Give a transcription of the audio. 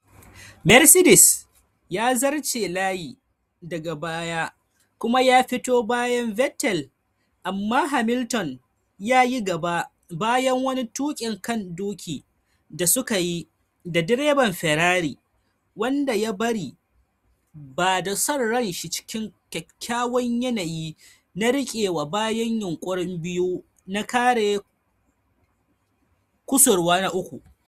Mercedes ya zarce layi daga baya kuma ya fito bayan Vettel, amma Hamilton ya yi gaba bayan wani tukin kan duki da sukayi da direban Ferrari wanda ya bari ba da son ran shi cikin kyakkyawan yanayi na rike wa bayan yunkuri-biyu na kare kusurwa na uku.